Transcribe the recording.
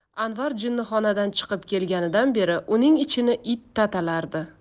anvar jinnixonadan chiqib kelganidan beri uning ichini it tatalardi